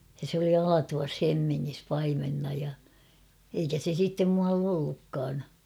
ja se oli Alatuvassa Hemmingissä paimenena ja eikä se sitten muualla ollutkaan